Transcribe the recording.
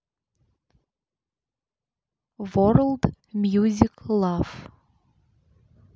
ворлд мьюзик лав